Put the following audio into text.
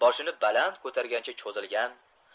boshini baland ko'targancha cho'zilgan